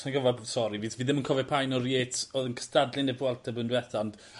sai'n gwbod sori fi fi ddim yn cofio pa un o'r Yates o'dd yn cystadlu yn y Vuelta blwyddyn dwetha ond